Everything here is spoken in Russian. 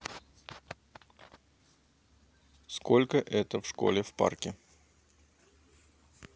сколько это в школе в парке